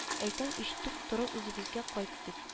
Әйтәм ич туп-туры үзебезгә кайт дип